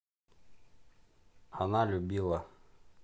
она любила